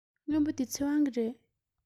སྔོན པོ འདི ཚེ དབང གི རེད